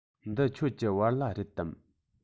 འདི ཁྱོད ཀྱི བལ ལྭ རེད དམ